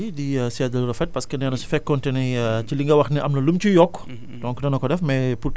voilà kooku doon Mbaye di seede lu rafet parcxe que nee na su fekkoonte ni ci li nga wax am na lu mu ciy yokk